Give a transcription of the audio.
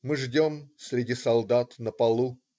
Мы ждем среди солдат - на полу.